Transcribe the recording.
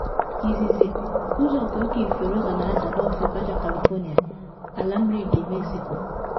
Izizi, ụzọ nke Oke Ifufe Rosa na ada n’ofe Baja California ala mmiri nke Mexico.